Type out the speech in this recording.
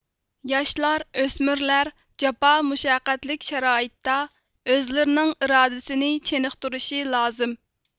ياشلار ئۆسمۈرلەر جاپا مۇشەققەتلىك شارائىتتا ئۆزلىرىنىڭ ئىرادىسىنى چېنىقتۇرۇشى لازىم